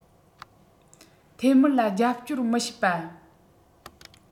ཐའེ སྨིའར ལ རྒྱབ སྐྱོར མི བྱེད པ